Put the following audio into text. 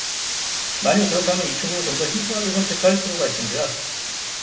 만일 그렇다면 친구를 좀 더 신중하게 선택할 필요가 있습니다